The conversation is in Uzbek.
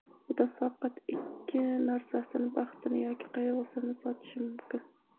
odam faqat ikki narsasini baxtini yoki qayg'usini sotishi mumkin